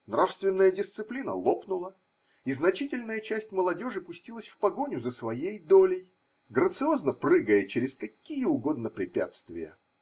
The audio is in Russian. Нравственная дисциплина лопнула, и значительная часть молодежи пустилась в погоню за своей долей, грациозно прыгая через какие угодно препятствия.